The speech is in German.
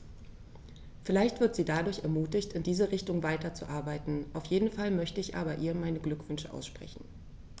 Vielleicht wird sie dadurch ermutigt, in diese Richtung weiterzuarbeiten, auf jeden Fall möchte ich ihr aber meine Glückwünsche aussprechen.